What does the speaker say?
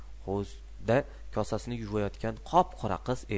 hovuzda kosasini yuvayotgan qop qora qiz